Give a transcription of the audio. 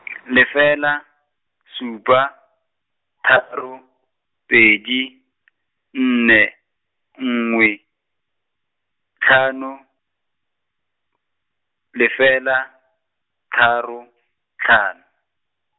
lefela, supa, tharo, pedi , nne, nngwe, tlhano, lefela, tharo , tlhano.